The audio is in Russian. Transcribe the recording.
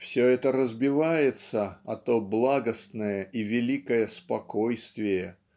все это разбивается о то благостное и великое "спокойствие"